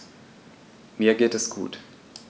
Mir geht es gut.